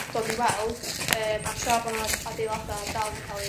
dod i weld yy a tra bo' 'na adeilada' dal 'di ca'l i